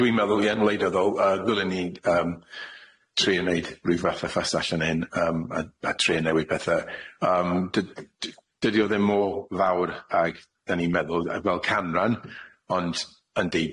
Dwi'n meddwl ie'n wleidyddol yy ddylen ni yym tria neud ryw fath o ffas allan hyn yym a a tria newid pethe yym dy- dy- dydi o ddim mor fawr ag dyn ni'n meddwl yy fel canran ond yndy,